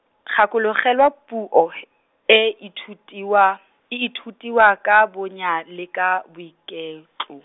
gakologelwa puo , e ithutiwa, e ithutiwa ka bonya le ka boiketlo.